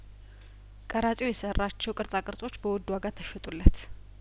ቀራጺው የሰራቸው ቅርጻ ቅርጾች በውድ ዋጋ ተሸጡለት